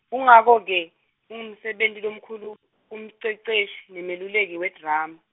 kungako ke, kungumsebenti lomkhulu kumceceshi, nemeluleki wedrama.